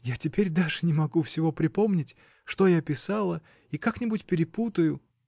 Я теперь даже не могу всего припомнить, что я писала, и как-нибудь перепутаю.